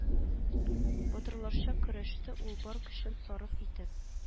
Батырларча көрәште ул бар көчен сарыф итеп